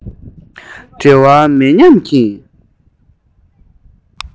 འབྲེལ བ མེད སྙམ གྱིན